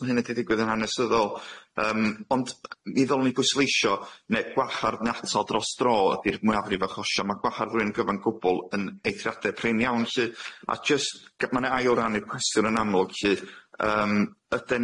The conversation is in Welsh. ma' hynna di ddigwydd yn hanesyddol yym ond mi ddolwn ni gwisleisio ne' gwahardd ne' atal dros dro ydi'r mwyafrif achosio ma' gwahardd rywun yn gyfan gwbl yn eithriada prin iawn lly a jyst gy- ma' na ail ran i'r cwestiwn yn amlwg lly yym ydan